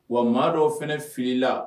Wa maa dɔw fana filila